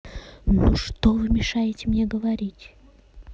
ну что вы мешаете мне говорить